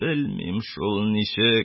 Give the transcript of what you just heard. Белмим шул ничек!